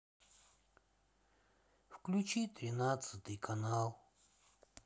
включи тринадцатый канал